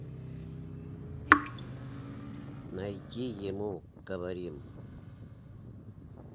найди ему говорим